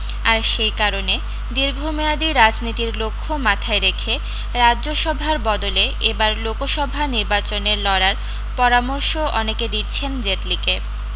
আর সেই কারণে দীর্ঘমেয়াদি রাজনীতির লক্ষ্য মাথায় রেখে রাজ্যসভার বদলে এ বার লোকসভা নির্বাচনে লড়ার পরামর্শ অনেকে দিচ্ছেন জেটলিকে